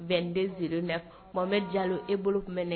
Bɛn den bɛ ja e bolo tun bɛ ne